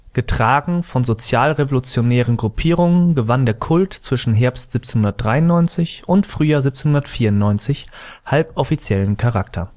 Getragen von sozialrevolutionären Gruppierungen gewann der Kult zwischen Herbst 1793 und Frühjahr 1794 halboffiziellen Charakter